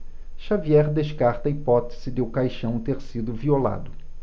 xavier descarta a hipótese de o caixão ter sido violado